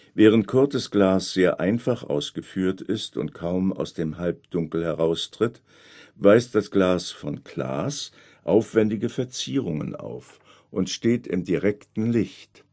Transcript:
Während Coortes Glas sehr einfach ausgeführt ist und kaum aus dem Halbdunkel heraustritt, weist das Glas von Claesz aufwändige Verzierungen auf und steht im direkten Licht